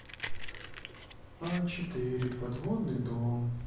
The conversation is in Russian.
а четыре подводный дом